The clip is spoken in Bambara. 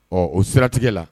Ɔ o siratigɛ la